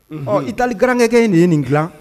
Ɔ i tali garankɛ in nin ye nin dilan